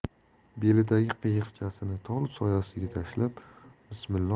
belidagi qiyiqchasini tol soyasiga tashlab bismillohu